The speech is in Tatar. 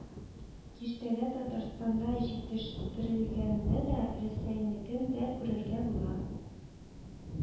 Киштәдә Татарстанда җитештерелгәнне дә, Рәсәйнекен дә күрергә була